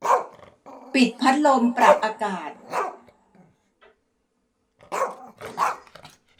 ปิดพัดลมปรับอากาศ